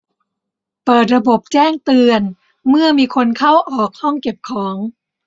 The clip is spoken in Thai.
เปิดระบบแจ้งเตือนเมื่อมีคนเข้าออกห้องเก็บของ